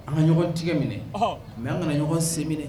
An ka ɲɔgɔn tigɛ minɛ mɛ an ka ɲɔgɔn sen minɛ